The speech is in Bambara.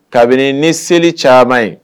Kabini ni seli caman ye